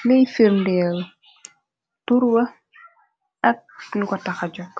pliy firndeel turwa ak lu ko taxa jog.